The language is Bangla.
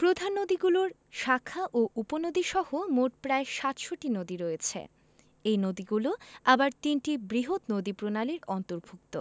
প্রধান নদীগুলোর শাখা ও উপনদীসহ মোট প্রায় ৭০০ নদী রয়েছে এই নদীগুলো আবার তিনটি বৃহৎ নদীপ্রণালীর অন্তর্ভুক্ত